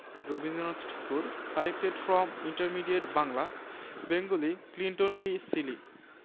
Rabindranath Thakur collected from intermediate Bangla Bengali Clinton B Seely